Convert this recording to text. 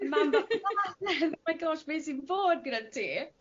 O'dd mam fel my gosh be' sy'n bod gyda ti?